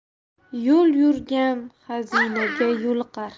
yo'l yurgan xazinaga yo'liqar